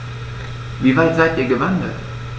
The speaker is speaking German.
Wie weit seid Ihr gewandert?